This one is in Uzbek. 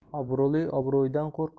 obro'li obro'yidan qo'rqar